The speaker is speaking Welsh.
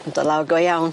Ma'n do' lawr go iawn.